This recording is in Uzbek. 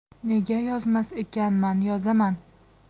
nega yozmas ekanman yozaman